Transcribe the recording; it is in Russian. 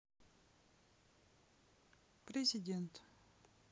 президент